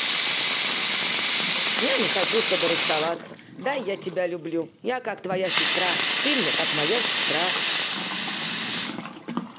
я не хочу чтобы расставаться дай я тебя люблю я как твоя сестра ты мне как моя сестра